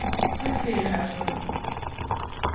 takk fyri harra formaður